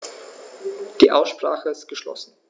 Die Aussprache ist geschlossen.